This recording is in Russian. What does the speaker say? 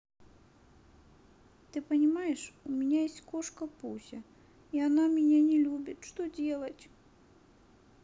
ты понимаешь у меня есть кошка пуся и она меня не любит что делать